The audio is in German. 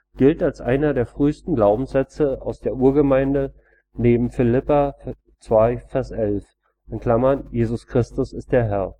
gilt als einer der frühesten Glaubenssätze aus der Urgemeinde neben Phil 2,11 EU (Jesus Christus ist der